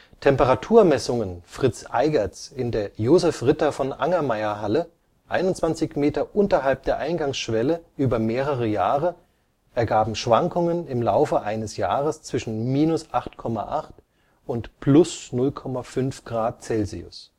Temperaturmessungen Fritz Eigerts in der Josef-Ritter-von-Angermayer-Halle 21 Meter unterhalb der Eingangsschwelle über mehrere Jahre ergaben Schwankungen im Laufe eines Jahres zwischen -8,8 und +0,5 Grad Celsius